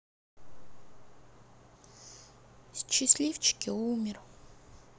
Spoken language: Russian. счастливчики умер